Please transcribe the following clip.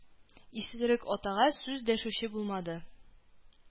Исезрек атага сүз дәшүче булмады